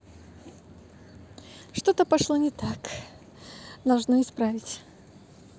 что то пошло не так должно исправить